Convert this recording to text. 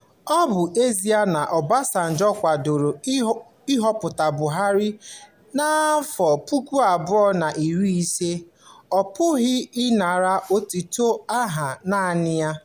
Ọ bụ ezie na Obasanjo kwadoro nhọpụta Buhari na 2015, ọ pụghị ịnara otito ahụ naanị ya.